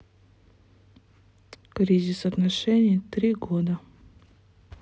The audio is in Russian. кризис отношений три года